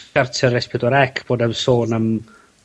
ar Es Pedwar Ec bo' 'na'm sôn am